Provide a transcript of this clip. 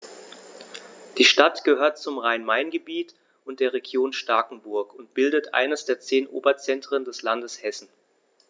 Die Stadt gehört zum Rhein-Main-Gebiet und der Region Starkenburg und bildet eines der zehn Oberzentren des Landes Hessen.